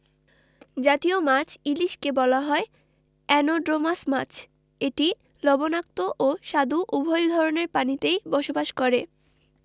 জতীয় মাছ ইলিশকে বলা হয় অ্যানাড্রোমাস মাছ এটি লবণাক্ত ও স্বাদু উভয় ধরনের পানিতেই বসবাস করে